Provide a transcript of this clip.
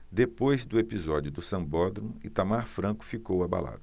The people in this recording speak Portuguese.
depois do episódio do sambódromo itamar franco ficou abalado